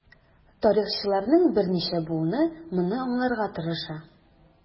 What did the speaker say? Тарихчыларның берничә буыны моны аңларга тырыша.